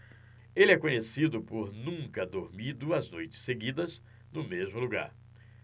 ele é conhecido por nunca dormir duas noites seguidas no mesmo lugar